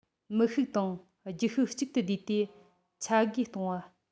མི ཤུགས དང རྒྱུ ཤུགས གཅིག ཏུ བསྡུས ཏེ ཆ བགོས གཏོང བ